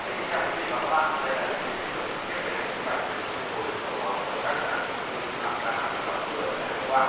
xin kính chào quý vị và các bạn đây là chương trình bình luận trực tiếp về tính minh bạch của việc thu hồi sổ hồng ở các dự án chung cư vi phạm đang làm nóng dư luận những ngày vừa qua